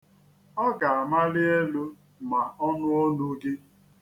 Ọ ga-amali elu ma ọ nụ olu gị.